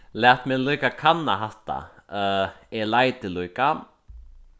lat meg líka kanna hatta øh eg leiti líka